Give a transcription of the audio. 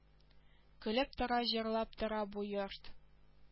Көлеп тора җырлап тора бу йорт